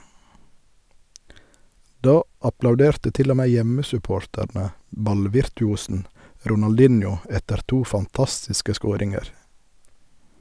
Da applauderte til og med hjemmesupporterne ballvirtuosen Ronaldinho etter to fantastiske scoringer.